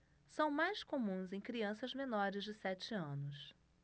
são mais comuns em crianças menores de sete anos